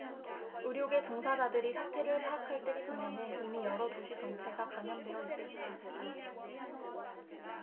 의료계 종사자들이 사태를 파악할 때쯤에는 이미 여러 도시 전체가 감염되어 있을 수도 있다